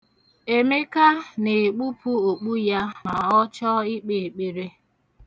Emeka na-ekpupu okpu ya ma ọ chọ ikpe ekpere.